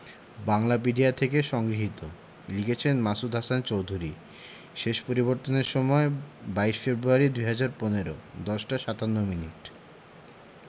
বাংলাপিডিয়া থেকে সংগৃহীত লিখেছেন মাসুদ হাসান চৌধুরী শেষ পরিবর্তনের সময় ২২ ফেব্রুয়ারি ২০১৫ ১০ টা ৫৭ মিনিট